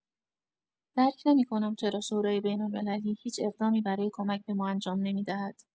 درک نمی‌کنم چرا شورای بین‌المللی هیچ اقدامی برای کمک به ما انجام نمی‌دهد.